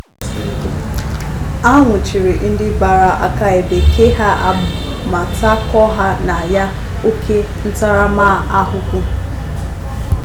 A nwụchiri ndị gbara akaebe, kee ha agbụ ma takọọ ha na ya óké ntaramahụhụ.